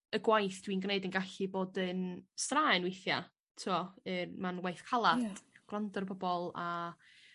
y gwaith dwi'n gneud yn gallu bod yn straen weithia t'mo' yy mae'n waith calad... Ia. gwrando ar y pobol a